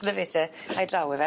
'Ny fe te ai draw yfe?